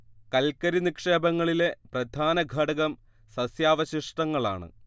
കൽക്കരി നിക്ഷേപങ്ങളിലെ പ്രധാന ഘടകം സസ്യാവശിഷ്ടങ്ങളാണ്